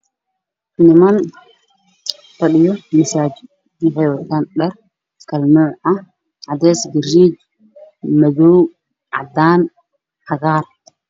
Niman fadhiyo masajid waxey watan dhar kala dugan cades garey madow cadan cagar